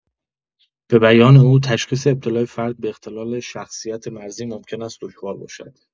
به بیان او تشخیص ابتلای فرد به اختلال شخصیت مرزی ممکن است دشوار باشد.